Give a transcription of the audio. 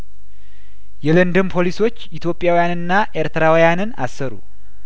የለንደን ፖሊሶች ኢትዮጵያውያንና ኤርትራውያንን አሰሩ